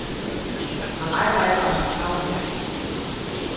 hann arbeiðir á einum savni